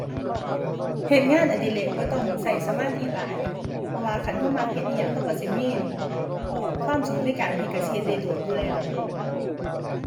เฮ็ดงานอดิเรกบ่ต้องใช้สมาธิหลาย เพราะว่าคันใช้มักเฮ็ดอิหยังใช้ใช้สิมี อั่น เอ่อ ความสุขในการเฮ็ด ใช้สิเฮ็ดได้โดนอยู่แล้ว